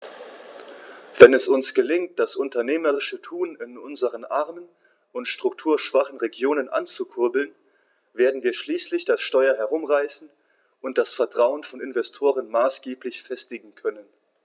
Wenn es uns gelingt, das unternehmerische Tun in unseren armen und strukturschwachen Regionen anzukurbeln, werden wir schließlich das Steuer herumreißen und das Vertrauen von Investoren maßgeblich festigen können.